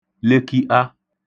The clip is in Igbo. leki'a